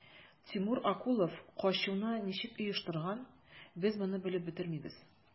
Тимур Акулов качуны ничек оештырган, без моны белеп бетермибез.